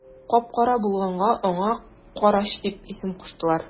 Кап-кара булганга аңа карач дип исем куштылар.